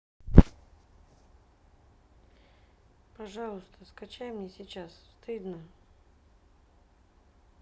пожалуйста скачай мне сейчас стыдно